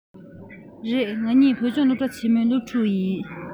རེད ང གཉིས བོད ལྗོངས སློབ གྲ ཆེན མོའི སློབ ཕྲུག ཡིན